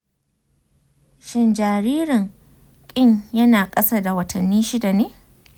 shin jaririn kin yana ƙasa da watanni shida ne?